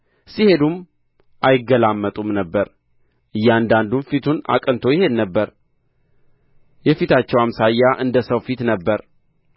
ሲሄዱም አይገላመጡም ነበር እያንዳንዱም ፊቱን አቅንቶ ይሄድ ነበር የፊታቸው አምሳያ እንደ ሰው ፊት ነበረ